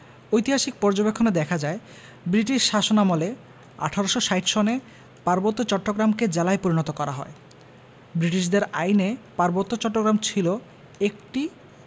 ঐতিহাসিক পর্যবেক্ষনে দেখা যায় বৃটিশ শাসনামলে ১৮৬০ সনে পার্বত্য চট্টগ্রামকে জেলায় পরিণত করা হয় বৃটিশদের আইনে পার্বত্য চট্টগ্রাম ছিল একটি